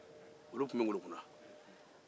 olu tun bɛ ŋolokunna